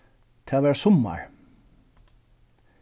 tað var summar